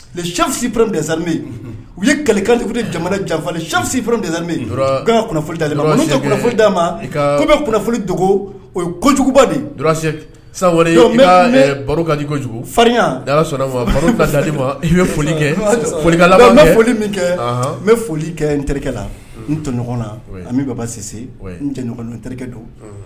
Si u ye kalikan jugu jamana janfasip kunnafonioli kunnafonioli d'a ma bɛ kunnafonioli dogo o ye kojuguba kojugurin foli kɛ foli n bɛ foli min kɛ n bɛ foli kɛ n terikɛ la n tɔɲɔgɔn na an baasisese n tɛ terikɛ don